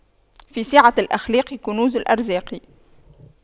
في سعة الأخلاق كنوز الأرزاق